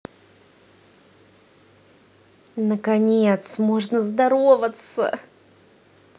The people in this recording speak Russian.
наконец можно здороваться